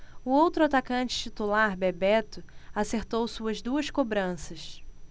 o outro atacante titular bebeto acertou suas duas cobranças